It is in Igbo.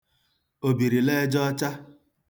òbìrìlaẹjaọcha